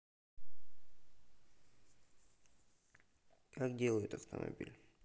как делают автомобиль